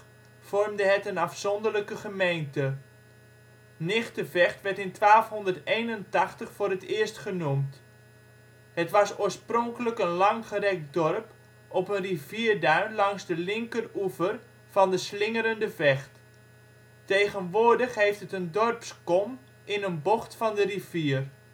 vormde het een afzonderlijke gemeente. Nigtevecht werd in 1281 voor het eerst genoemd. Het was oorspronkelijk een langgerekt dorp op een rivierduin langs de linkeroever van de slingerende Vecht. Tegenwoordig heeft het een dorpskom in een bocht van de rivier